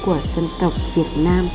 của dân tộc việt nam